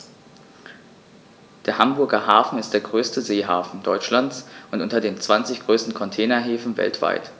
Der Hamburger Hafen ist der größte Seehafen Deutschlands und unter den zwanzig größten Containerhäfen weltweit.